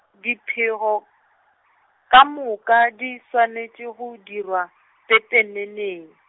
dipego, ka moka di swanetše go dirwa, pepeneneng.